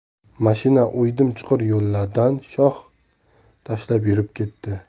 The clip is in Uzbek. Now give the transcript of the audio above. mashina o'ydim chuqur yo'llardan shoh tashlab yurib ketdi